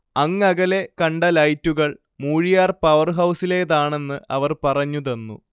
അങ്ങകലെ കണ്ട ലൈറ്റുകൾ മൂഴിയാർ പവർഹൗസിലേതാണെന്ന് അവർ പറഞ്ഞു തന്നു